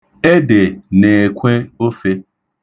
Ede na-ekwe ofe.